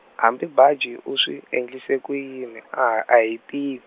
hambi Baji u swi endlise ku yini a a hi ti-?